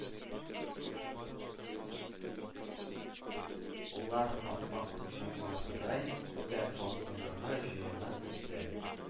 Лар ап-ак учаклардай күккә талпынырга җыена төсле